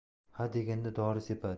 hadeganda dori sepadi